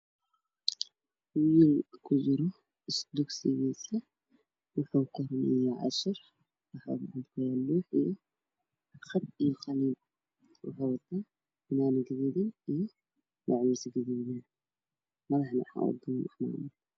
Waa wiil loox cashar ku qoraayo muxuu wataa fanaanad guduud macwiis guduud waxaa ka dambeeya looxyo fara badan geesaa wacdaan